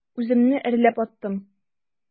Үземне әрләп аттым.